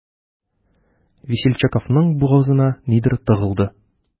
Весельчаковның бугазына нидер тыгылды.